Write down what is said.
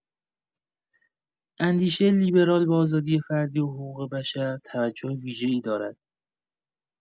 اندیشه لیبرال به آزادی فردی و حقوق‌بشر توجه ویژه‌ای دارد.